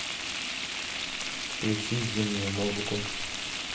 включи зимнюю музыку